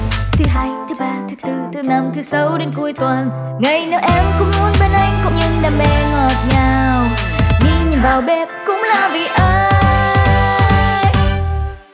thứ hai thứ ba thứ tư thứ năm thứ sáu đến cuối tuần ngày nào em cũng muốn bên anh cùng những đam mê ngọt ngào mỹ nhân vào bếp cũng là vì anh